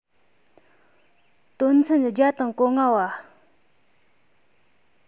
དོན ཚན བརྒྱ དང གོ ལྔ པ